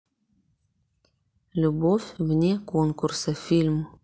любовь вне конкурса фильм